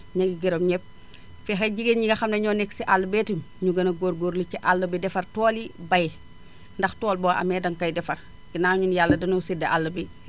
ñu ngi gërëm ñëpp fexe jigéen éni nga xam ne ñoo nekk si àll bi nitam ñu gën a góorgóorlu ci àll bi defar tool yi bay ndax tool boo amee danga koy defar ginnaaw énun yàlla daénoo séddee àll bi